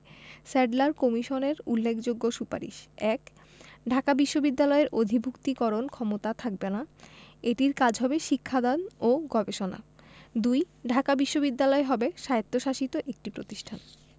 Sadler কমিশনের উল্লেখযোগ্য সুপারিশ: ১. ঢাকা বিশ্ববিদ্যালয়ের অধিভুক্তিকরণ ক্ষমতা থাকবে না এটির কাজ হবে শিক্ষা দান ও গবেষণা ২. ঢাকা বিশ্ববিদ্যালয় হবে স্বায়ত্তশাসিত একটি প্রতিষ্ঠান